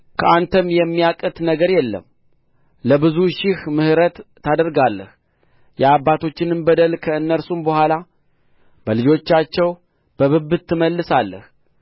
ከአንተም የሚያቅት ነገር የለም ለብዙ ሺህ ምሕረት ታደርጋለህ የአባቶችንም በደል ከእነርሱ በኋላ በልጆቻቸው ብብት ትመልሳለህ